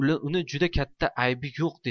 uni juda katta aybi yo'q